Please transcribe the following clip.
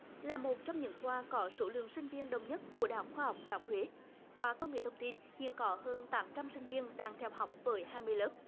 là một trong những khoa có số lượng sinh viên đông nhất của đại học khoa học đại học huế khoa công nghệ thông tin hiện có hơn tám trăm sinh viên đang theo học với hai mươi lớp